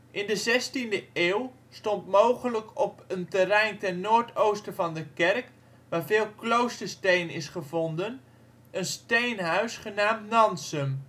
In de 16e eeuw stond mogelijk op een terrein ten noordoosten van de kerk waar veel kloostersteen is gevonden een steenhuis genaamd Nansum